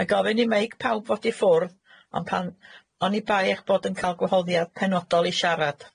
Mae gofyn i meic pawb fod i ffwrdd, ond pan- oni bai eich bod yn ca'l gwahoddiad penodol i siarad.